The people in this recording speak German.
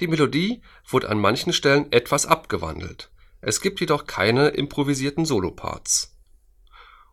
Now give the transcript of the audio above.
Die Melodie wird an manchen Stellen etwas abgewandelt, es gibt jedoch keine improvisierten Soloparts.